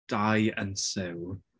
Dai and Sue.